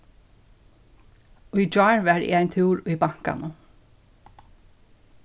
í gjár var eg ein túr í bankanum